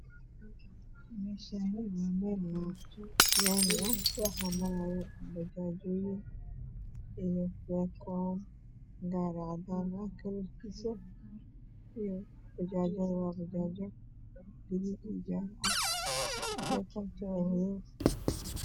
Meeshaan waa meel laami ah waxaa maraayo bajaajyo iyo mooto faykoon iyo gaari cadaan ah. Bajaajyo waa gaduud iyo jaalo. Mooto faykoontuna waa madow.